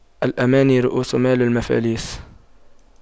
الأماني رءوس مال المفاليس